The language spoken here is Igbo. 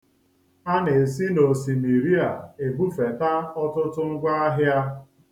A na-esi n'osimiri a ebufeta ọtụtụ ngwa ahịa.